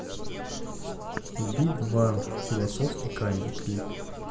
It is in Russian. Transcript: би два философский камень клип